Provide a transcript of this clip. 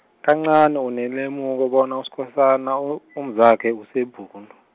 kancani unelemuko bona Uskhosana, u- umzakhe useBhundu.